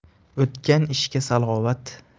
o'tgan ishga salovat